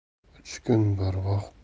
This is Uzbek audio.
uch kun barvaqt